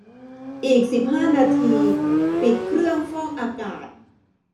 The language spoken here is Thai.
อีกสิบห้านาทีปิดเครื่องฟอกอากาศ